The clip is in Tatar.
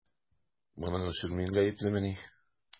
Моның өчен мин гаеплемени?